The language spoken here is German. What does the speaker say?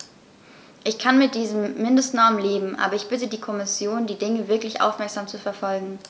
Ich kann mit diesen Mindestnormen leben, aber ich bitte die Kommission, die Dinge wirklich aufmerksam zu verfolgen.